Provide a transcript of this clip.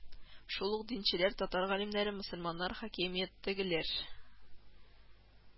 Шул ук динчеләр, татар галимнәре, мөселманнар, хакимияттәгеләр